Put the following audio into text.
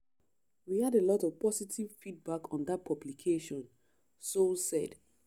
We had a lot of positive feedback on that publication,” Sow said.